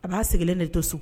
A b'a sigilen de to so